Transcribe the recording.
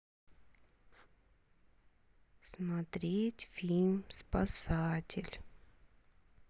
смотреть фильм спасатель